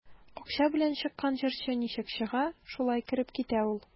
Акча белән чыккан җырчы ничек чыга, шулай кереп китә ул.